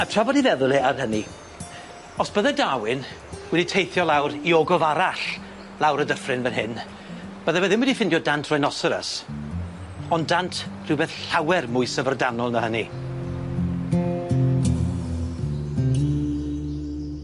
A tra bod 'i feddwl e ar hynny, os bydde Darwin wedi teithio lawr i ogof arall lawr y dyffryn fyn hyn, bydde fe ddim wedi ffindio dant rhinoceros, ond dant rhywbeth llawer mwy syfrdanol na hynny.